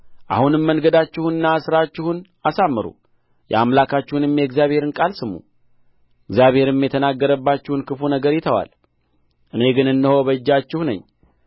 አሁንም መንገዳችሁንና ሥራችሁን አሳምሩ የአምላካችሁንም የእግዚአብሔርን ቃል ስሙ እግዚአብሔርም የተናገረባችሁን ክፉ ነገር ይተዋል እኔ ግን እነሆ በእጃችሁ ነኝ